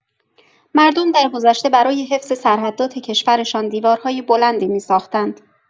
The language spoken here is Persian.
مردم درگذشته برای حفظ سرحدات کشورشان دیوارهای بلندی می‌ساختند.